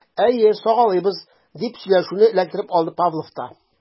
Әйе, сагалыйбыз, - дип сөйләшүне эләктереп алды Павлов та.